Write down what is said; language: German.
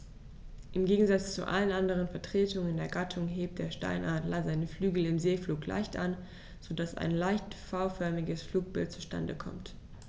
Im Gegensatz zu allen anderen Vertretern der Gattung hebt der Steinadler seine Flügel im Segelflug leicht an, so dass ein leicht V-förmiges Flugbild zustande kommt.